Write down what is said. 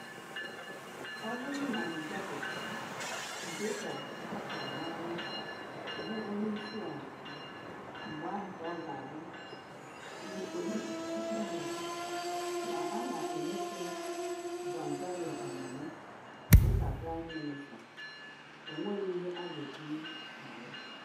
Ọ bụrụ na Mugabe, dịka m tụrụ n'anya bụ onyeisiala, mgbe ahụ ka ọ ga-abụ nkwenye ịkpeazụ na a na-emeso Tsvangirai omume dịka Praịm Mịnịsta, o nweghi ihe a ga-etinye na ya.